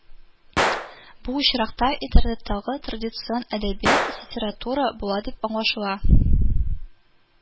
Бу очракта интернеттагы традицион әдәбият сетература була дип аңлашыла